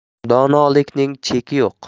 donolikning cheki yo'q